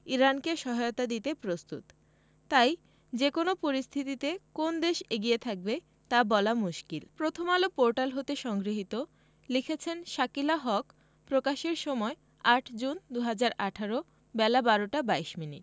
ইরানকে সহায়তা দিতে প্রস্তুত তাই যেকোনো পরিস্থিতিতে কোন দেশ এগিয়ে থাকবে তা বলা মুশকিল প্রথমআলো পোর্টাল হতে সংগৃহীত লিখেছেন শাকিলা হক প্রকাশের সময় ৮জুন ২০১৮ বেলা ১২টা ২২মিনিট